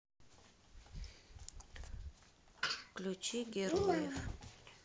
включи героев